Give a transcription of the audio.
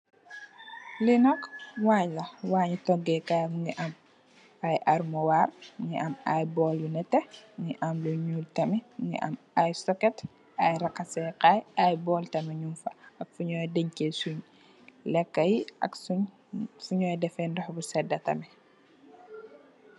Li nak wang la wang yi togeh kai mogi am ay almuwar mongi am ay bowl yu nete mongi am lu nuul tamit mongi am ay socket ay raxase kai ay tamit nyu fa ak fo nyu dencheh sung lekai ak sung fonyu defe dox bu seda tamit.